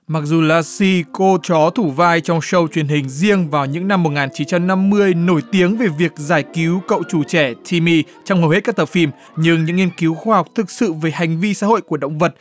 mặc dù la xi cô chó thủ vai trong sâu truyền hình riêng vào những năm một ngàn chín trăm năm mươi nổi tiếng về việc giải cứu cậu chủ trẻ thi mi trong hầu hết các tập phim nhưng những nghiên cứu khoa học thực sự về hành vi xã hội của động vật